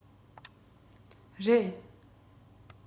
རེད